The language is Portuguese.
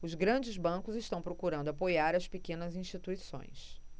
os grandes bancos estão procurando apoiar as pequenas instituições